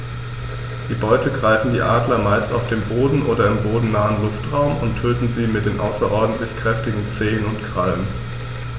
Die Beute greifen die Adler meist auf dem Boden oder im bodennahen Luftraum und töten sie mit den außerordentlich kräftigen Zehen und Krallen.